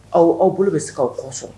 Aw aw bolo bɛ se k'aw kɔsɔn